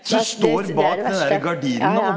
det det er det verste, ja ja.